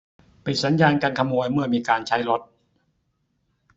ปิดสัญญาณการขโมยเมื่อมีการใช้รถ